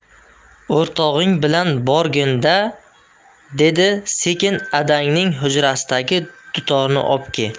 o'rtog'ing bilan borgin da dedi sekin adangning hujrasidagi dutorni obke